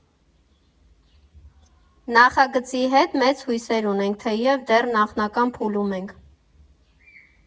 Նախագծի հետ մեծ հույսեր ունենք, թեև դեռ նախնական փուլում ենք։